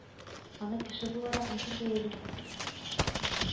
Аны кеше буларак ничек бәялисез